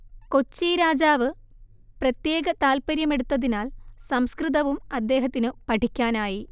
കൊച്ചിരാജാവ് പ്രത്യേക താൽപര്യമെടൂത്തതിനാൽ സംസ്കൃതവും അദ്ദേഹത്തിനു പഠിക്കാനായി